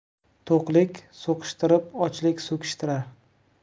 to'qlik so'qishtirar ochlik so'kishtirar